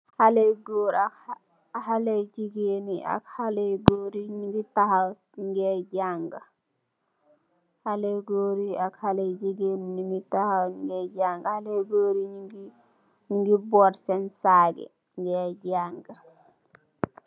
Xaléé goor yi ak xalee jigéen yi, ñu ngi taxaw, ñu ngee jangë, Xaléé goor yi ak xalee jigéen yi, ñu ngi taxaw, ñu ngee Xaléé Goor yi, ñu ngi boot seen saac yi, ñu ngee jàngë.